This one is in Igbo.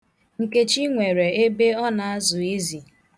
Nkechi nwere ebe ọ na-azụ ezi.